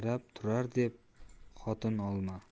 yarab turar deb xotin olma